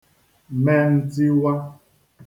me ntiwā